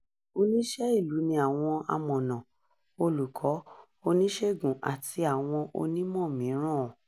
Oníṣẹ́ ìlú ni àwọn amọ̀nà, olùkọ́, oníṣègùn àti àwọn onímọ̀ mìíràn.